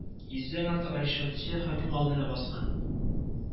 Йөздән артык ришвәтче хөкем алдына баскан